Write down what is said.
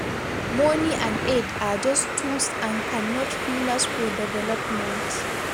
Money and aid are just tools and can not pillars for development.